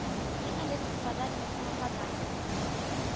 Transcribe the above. Иң элек Уфада минем апада